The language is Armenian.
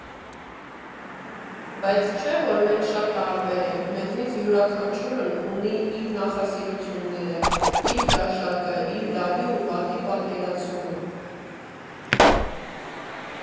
Բայց չէ՞ որ մենք շատ տարբեր ենք, մեզնից յուրաքանչյուրն ունի իր նախասիրությունները, իր ճաշակը, իր լավի ու վատի պատկերացումը։